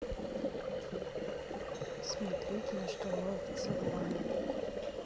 смотреть на что ловится в мае